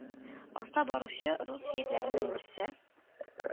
Аста баручы рус егетләренең берсе,